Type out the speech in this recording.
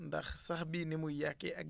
ndax sax bii ni muy yàqee ak